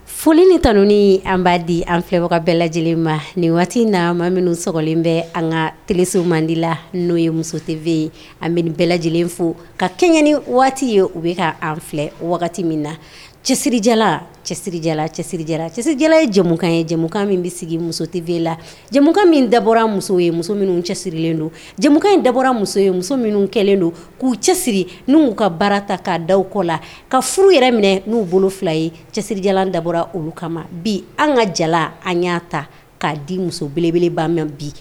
Foli ni taun an b'a di an fɛbaga bɛɛ lajɛlen ma nin waati na ma minnu sogolen bɛ an ka teeliso mandi la n'o ye musoe an bɛ bɛɛ lajɛlen fo ka kɛɲɛani waati ye u bɛ ka an filɛ wagati min na cɛsirijala cɛsirijala cɛsiri cɛja ye jamumukan ye jɛkan min bɛ sigi musoele la jɛ min dabɔra muso ye muso minnu cɛsirilen don jɛ in dabɔra muso ye muso minnu kɛlen don k'u cɛsiri n ka baara ta' da kɔ la ka furu yɛrɛ minɛ n'u bolo fila ye cɛsirijalan dabɔra olu kama bi an ka jala an y'a ta k'a di muso belebeleba mɛn bi